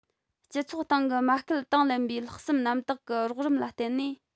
སྤྱི ཚོགས སྟེང གི མ སྐུལ དང ལེན པའི ལྷག བསམ རྣམ དག གི རོགས རམ ལ བརྟེན ནས